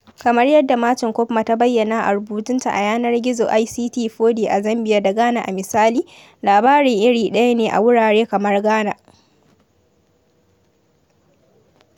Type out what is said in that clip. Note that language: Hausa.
Kamar yadda Martine Koopman ta bayyana a rubutunta a yanar gizo ICT4D a Zambia da Ghana a misali, labarin iri ɗaya ne a wurare kamar Ghana.